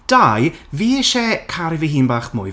Dau fi isie caru fy hyn bach mwy.